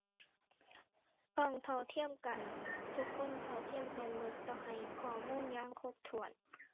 ต้องเท่าเทียมกัน ทุกคนเท่าเทียมกันหมด ต้องให้ข้อมูลอย่างครบถ้วน